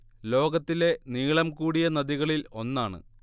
ലോകത്തിലെ നീളം കൂടിയ നദികളിൽ ഒന്നാണ്